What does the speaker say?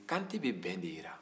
kantɛ bɛ bɛn de jira